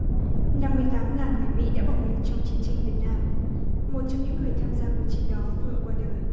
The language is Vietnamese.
năm mươi tám ngàn người mỹ đã bỏ mình trong chiến tranh việt nam một trong những người tham gia cuộc chiến đó vừa qua đời